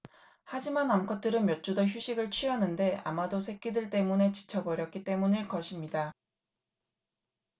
하지만 암컷들은 몇 주 더 휴식을 취하는데 아마도 새끼들 때문에 지쳐 버렸기 때문일 것입니다